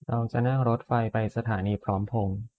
เราจะนั่งรถไฟไปสถานีพร้อมพงษ์